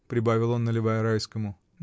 — прибавил он, наливая Райскому.